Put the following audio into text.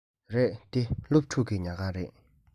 རེད འདི སློབ ཕྲུག གི ཉལ ཁང རེད